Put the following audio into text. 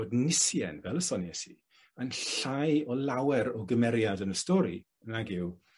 bod Nisien, fel y sonies i, yn llai o lawer o gymeriad yn y stori nag yw